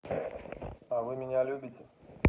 а меня вы любите